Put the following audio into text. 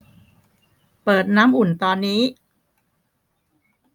เปิดน้ำอุ่นตอนนี้